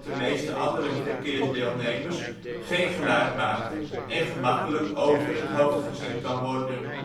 meeste andere verkeersdeelnemers geen geluid maakt, en gemakkelijk over het hoofd gezien kan worden